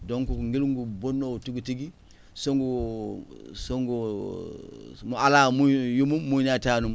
donc ngilngu bnnoowu tigi tigi sogu so ngu mo aalaa muy yummum muynoya taanum